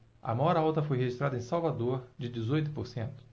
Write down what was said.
a maior alta foi registrada em salvador de dezoito por cento